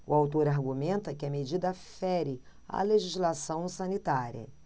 o autor argumenta que a medida fere a legislação sanitária